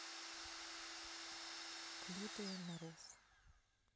клипы марув